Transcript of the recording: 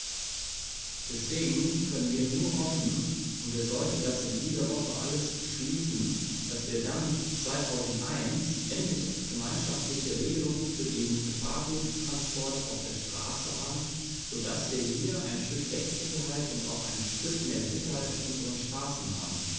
Deswegen können wir nur hoffen - und wir sollten das in dieser Woche alles beschließen -, dass wir dann 2001 endlich gemeinschaftliche Regelungen für den Gefahrguttransport auf der Straße haben, so dass wir hier ein Stück Rechtssicherheit und auch ein Stück mehr Sicherheit auf unseren Straßen haben.